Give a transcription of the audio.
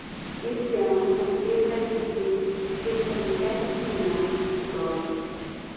este ano a empresa deve perder cerca de sete milhões de dólares